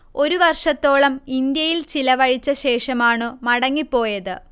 ഒരു വർഷത്തോളം ഇന്ത്യയിൽ ചിലവഴിച്ച ശേഷമാണു മടങ്ങി പോയത്